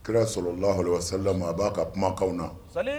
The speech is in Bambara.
Kira sɔrɔ laha selila a b'a ka kumakan na